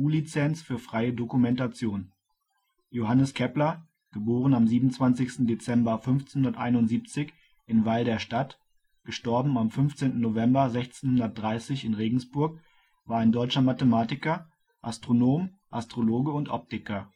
Lizenz für freie Dokumentation. Johannes Kepler Johannes Kepler Johannes Kepler (auch: Ioannes Keplerus; * 27. Dezember 1571 in Weil der Stadt; † 15. November 1630 in Regensburg) war ein deutscher Mathematiker, Astronom, Astrologe und Optiker